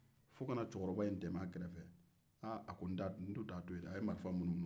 fo ka na cɛkɔrɔba in tɛmɛ a kɛrɛfɛ a ko n dun t'a to yen